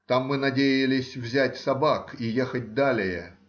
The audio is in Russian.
Там мы надеялись взять собак и ехать далее